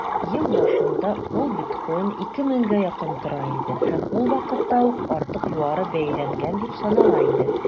Ел башында ук биткоин 2 меңгә якын тора иде һәм ул вакытта ук артык югары бәяләнгән дип санала иде.